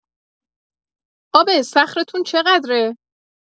آب استخرتون چقدره؟